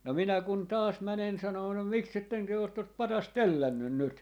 no minä kun taas menen sanomaan no miksi ette te ole tuota patsasta tällännyt nyt